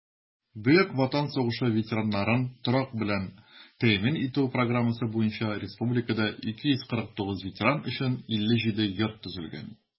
Бөек Ватан сугышы ветераннарын торак белән тәэмин итү программасы буенча республикада 249 ветеран өчен 57 йорт төзелгән.